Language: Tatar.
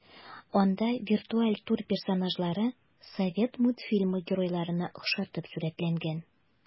Анда виртуаль тур персонажлары совет мультфильмы геройларына охшатып сурәтләнгән.